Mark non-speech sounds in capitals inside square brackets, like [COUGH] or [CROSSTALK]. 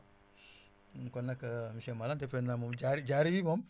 [BREATH] kon nag [HESITATION] monsieur Malang defe naa moom